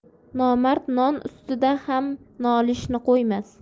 nomard non ustida ham nolishini qo'ymas